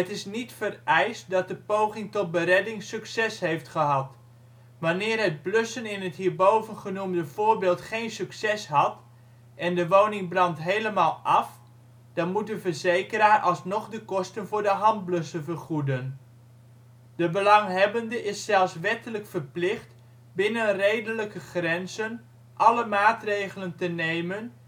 is niet vereist dat de poging tot beredding succes heeft gehad. Wanneer het blussen in het hierboven genoemde voorbeeld geen succes had en de woning brandt helemaal af, dan moet de verzekeraar alsnog de kosten voor de handblusser vergoeden. De belanghebbende is zelfs wettelijk verplicht (art. 7:957 lid 1 BW) binnen redelijke grenzen alle maatregelen te nemen